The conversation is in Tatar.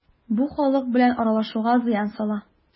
Бу халык белән аралашуга зыян сала.